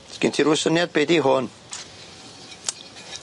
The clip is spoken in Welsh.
Sgin ti rw syniad be' 'di hwn?